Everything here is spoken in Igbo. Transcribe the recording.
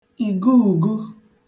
ìgughùgu